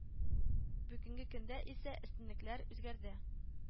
Бүгенге көндә исә өстенлекләр үзгәрде